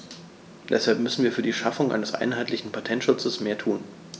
Deshalb müssen wir für die Schaffung eines einheitlichen Patentschutzes mehr tun.